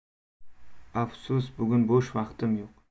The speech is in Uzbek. afsus bugun bo'sh vaqtim yo'q